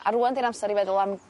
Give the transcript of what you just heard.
a rŵan 'di'r amser i feddwl am